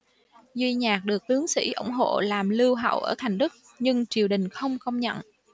duy nhạc được tướng sĩ ủng hộ làm lưu hậu ở thành đức nhưng triều đình không công nhận